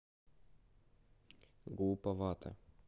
глуповато